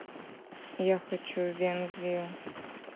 я хочу в венгрию